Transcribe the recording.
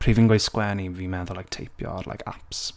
Pryd fi'n gweud sgwennu, fi'n meddwl like teipio ar like apps.